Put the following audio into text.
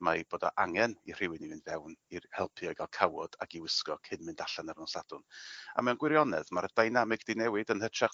mae bod o angen i rhywun i fynd fewn i'r helpu o i ga'l cawod ac i wisgo cyn mynd allan ar nos Sadwrn. A mewn gwirionedd ma'r dynamic 'di newid yn hytrach